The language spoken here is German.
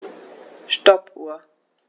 Stoppuhr.